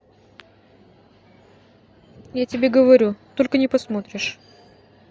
я тебе говорю только не посмотришь